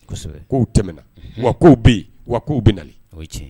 Kow tɛmɛna wa kow bɛ ye wa kow bɛ nale.